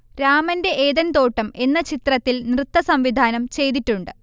രാമന്റെ ഏദൻതോട്ടം എന്ന ചിത്രത്തിൽ നൃത്തസംവിധാനം ചെയ്തിട്ടുണ്ട്